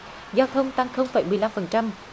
giao thông tăng không phẩy mười lăm phần trăm